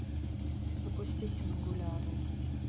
запусти сингулярность